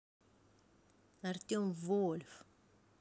артем вольф